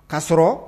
Ka sɔrɔ